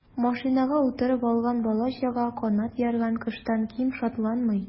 Машинага утырып алган бала-чага канат ярган коштан ким шатланмый.